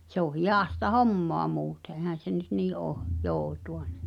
se on hidasta hommaa muuten eihän se nyt niin ole joutua niin